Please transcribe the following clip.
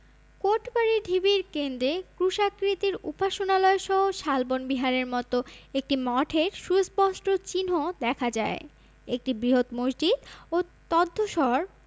কোটবাড়ি ঢিবির কেন্দ্রে ক্রুশাকৃতির উপাসনালয়সহ শালবন বিহারের মতো একটি মঠের সুস্পষ্ট চিহ্ন দেখা যায় একটি বৃহৎ মসজিদ ও তদ্ধসঢ়